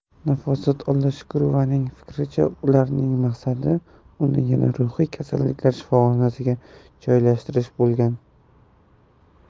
nafosat olloshukurovaning fikricha ularning maqsadi uni yana ruhiy kasalliklar shifoxonasiga joylashtirish bo'lgan